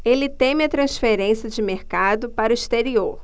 ele teme a transferência de mercado para o exterior